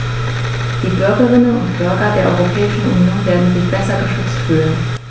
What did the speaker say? Die Bürgerinnen und Bürger der Europäischen Union werden sich besser geschützt fühlen.